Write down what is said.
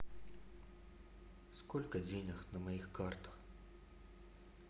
сколько денег на моих картах